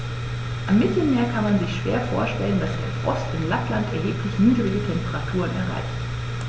Am Mittelmeer kann man sich schwer vorstellen, dass der Frost in Lappland erheblich niedrigere Temperaturen erreicht.